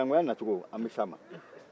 mɛ sinakanya nacogo an bɛ s'a ma